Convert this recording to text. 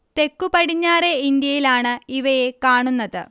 തെക്കു പടിഞ്ഞാറെ ഇന്ത്യയിലാണ് ഇവയെ കാണുന്നത്